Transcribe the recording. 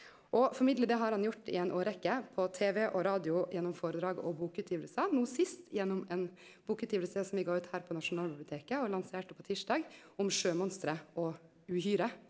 og formidle det har han gjort i ein årrekke på tv og radio gjennom foredrag og bokutgivingar no sist gjennom ein bokutgiving som vi gav ut her på Nasjonalbiblioteket og lanserte på tysdag om sjømonster og uhyre.